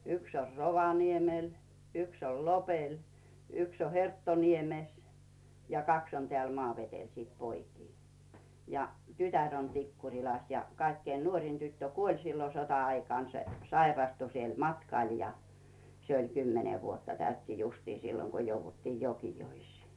yksi on Rovaniemellä yksi on Lopella yksi on Herttoniemessä ja kaksi on täällä Maavedellä sitten poikia ja tytär on Tikkurilassa ja kaikkein nuorin tyttö kuoli silloin sota-aikana se sairastui siellä matkalla ja se oli kymmenen vuotta täytti justiin silloin kun jouduttiin Jokioisiin